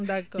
d' accord